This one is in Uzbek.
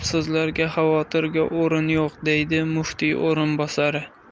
so'zlarga xavotirga o'rin yo'q dedi muftiy o'rinbosari